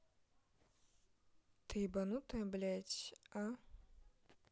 ты ебанутая блядь а